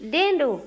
den dun